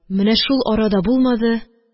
Менә шул арада булмады